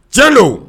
Tiɲɛ don